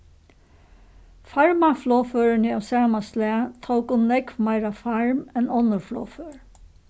farmaflogførini av sama slag tóku nógv meira farm enn onnur flogfør